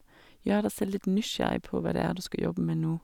Gjør deg selv litt nysgjerrig på hva det er du skal jobbe med nå.